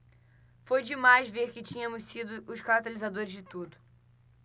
foi demais ver que tínhamos sido os catalisadores de tudo